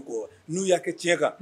N'u y'a kɛ tiɲɛ kan